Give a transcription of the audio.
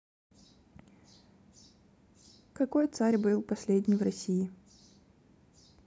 какой царь был последний в россии